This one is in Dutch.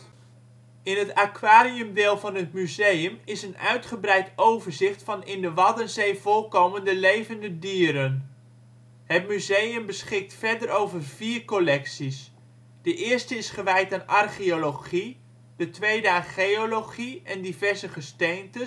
In het aquariumdeel van het museum is een uitgebreid overzicht van in de Waddenzee voorkomende (levende) dieren. Het museum beschikt verder over vier collecties: de eerste is gewijd aan archeologie, de tweede aan geologie en diverse gesteentes